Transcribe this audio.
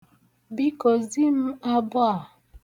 Biko zi m abọ a.